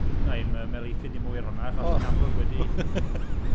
Wna i'm ymhelaethu dim mwy ar hwnna achos ti'n amlwg wedi...